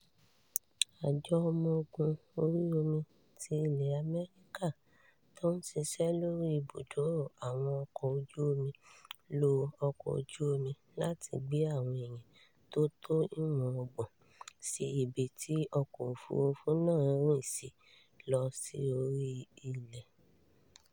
Àjọ ọmọ-ogun orí omi ti ilẹ̀ Amẹ́ríkà tó ń ṣiṣẹ́ lóri ibùdóò àwọn ọkọ̀ ojú-omi lo ọkọ̀ ojú-omi láti gbé àwọn èèyàn tó tó iwọ̀n ọgbọ̀n (30) sí ibi tí ọkọ̀-òfúrufú náà rì sí lọ sí orí ilẹ̀.